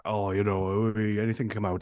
Oh, you know, anything can come out.